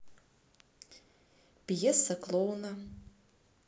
пьеса клоуна